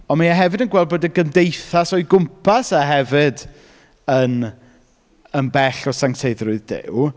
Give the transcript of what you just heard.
Ond mae e hefyd yn gweld bod y gymdeithas o'i gwmpas e hefyd yn yn bell o sancteiddrwydd Duw.